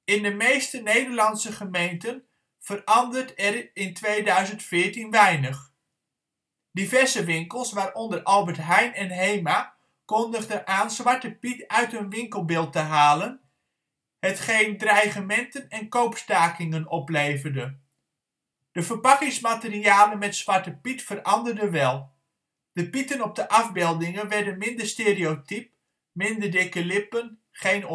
In de meeste Nederlandse gemeenten verandert er (2014) weinig. Diverse winkels, waaronder Albert Heijn en HEMA, kondigden aan Zwarte Piet uit hun winkelbeeld te halen, hetgeen dreigementen van koopstakingen opleverde. De verpakkingsmaterialen met Zwarte Piet veranderden wel. De Pieten op de afbeeldingen werden minder stereotiep (minder dikke lippen, geen